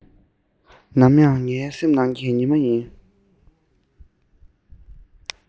ནམ ཡང ངའི སེམས ནང གི ཉི མ ཡིན